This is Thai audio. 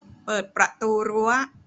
เปิดประตูรั้ว